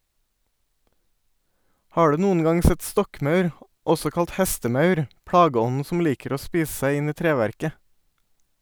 Har du noen gang sett stokkmaur, også kalt hestemaur, plageånden som liker å spise seg inn i treverket?